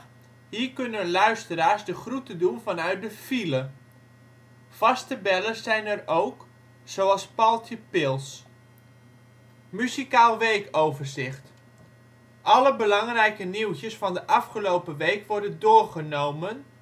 kunnen luisteraars de groeten doen vanuit de file. Vaste bellers zijn er ook, zoals Paultje Pils) (Muzikaal) Weekoverzicht (Alle belangrijke nieuwtjes van de afgelopen week worden doorgenomen